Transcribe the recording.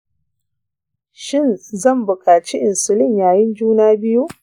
shin zan buƙaci insulin yayin juna biyu?